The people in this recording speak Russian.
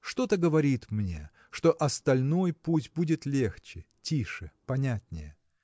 Что-то говорит мне, что остальной путь будет легче, тише, понятнее.